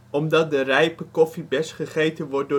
omdat de rijpe koffiebes gegeten wordt